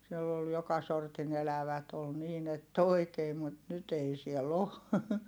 siellä oli joka sortin elävät oli niin että oikein mutta nyt ei siellä ole